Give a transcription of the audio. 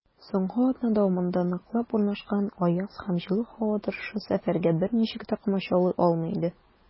Соңгы атна дәвамында ныклап урнашкан аяз һәм җылы һава торышы сәфәргә берничек тә комачаулый алмый иде.